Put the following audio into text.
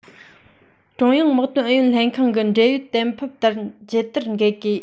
ཀྲུང དབྱང དམག དོན ཨུ ཡོན ལྷན ཁང གི འབྲེལ ཡོད གཏན ཕབ ལྟར རྒྱལ དར འགེལ དགོས